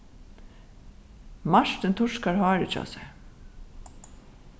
martin turkar hárið hjá sær